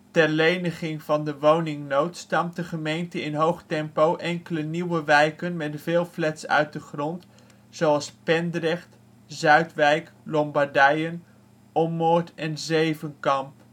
Ter leniging van de woningnood stampt de gemeente in hoog tempo enkele nieuwe wijken met veel flats uit de grond, zoals Pendrecht, Zuidwijk, Lombardijen, Ommoord en Zevenkamp